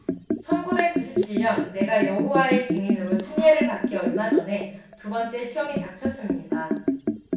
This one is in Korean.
천 구백 구십 칠 년 내가 여호와의 증인으로 침례를 받기 얼마 전에 두 번째 시험이 닥쳤습니다